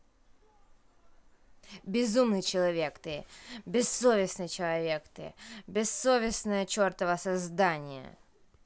безумный человек ты бессовестный человек ты бессовестное чертово создание